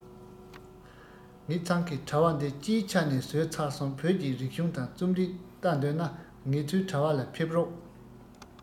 ངེད ཚང གི དྲ བ འདི སྤྱིའི ཆ ནས བཟོས ཚར སོང བོད ཀྱི རིག གཞུང དང རྩོམ རིག བལྟ འདོད ན ངེད ཚོའི དྲ བ ལ ཕེབས རོགས